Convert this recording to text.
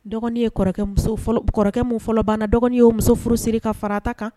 Dɔgɔnin ye kɔrɔkɛ muso fɔlɔ b kɔrɔkɛ min fɔlɔ banna dɔgɔnin y'o muso furu siri k'a far'a ta kan